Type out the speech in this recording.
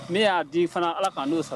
Ne y'a di fana Ala ka n'o sara